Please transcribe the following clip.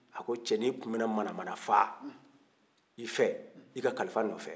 a ko cɛnin tun bɛ na manamana faga i fɛ i ka kalifa nɔfɛ